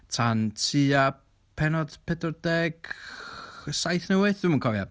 tan tua pennod pedwar deg saith neu wyth, dwi ddim yn cofio.